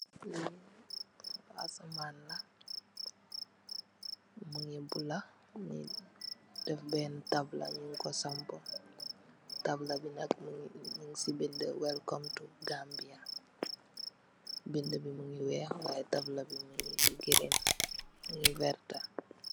Asamaan la, mu ngi bulë, ñu def beenë tablë, ñunk ko sampu, tabla bi nak, ñung si binda "Welcome to Gambia"Bindë mu ngi weex waay tablë bi mu ngi giriin, mu ngi werta.